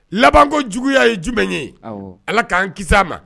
Labanko juguyaya ye jumɛn ye ala k'an kisi ma